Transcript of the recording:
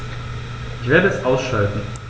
Ich werde es ausschalten